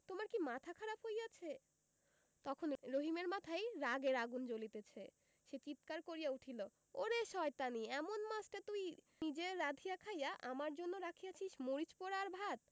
তোমার কি মাথা খারাপ হইয়াছে তখন রহিমের মাথায় রাগের আগুন জ্বলিতেছে সে চিৎকার করিয়া উঠিল ওরে শয়তানী এমন মাছটা তুই নিজে ব্রাধিয়া খাইয়া আমার জন্য রাখিয়াছিস্ মরিচ পোড়া আর ভাত